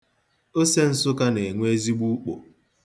Ose Nsụka na-enwe ezigbo ukpo.